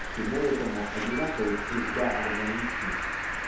всему этому одинаково чужда органичность.